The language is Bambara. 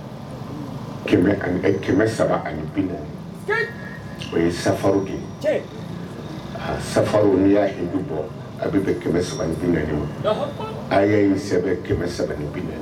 Ani sa sai y'adu bɔ a bɛn a sɛbɛnini bɛ yen